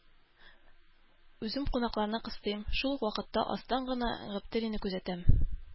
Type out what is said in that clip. Үзем кунакларны кыстыйм, шул ук вакытта астан гына Гаптерине күзәтәм.